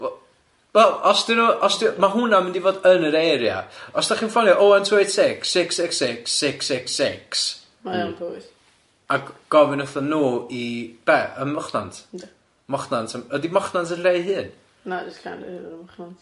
Wel os 'dyn n'w os 'di- ma' hwnna'n mynd i fod yn yr area os 'dach chi'n ffonio oh one two eight six six six six six six six ... Mae o yn Powys... ac gofyn wrtho n'w i, be ym Mochnant? Yndy. Mochnant, ydi Mochnant yn lle 'i hun? Na jest Llanrheadr ym Mochnant.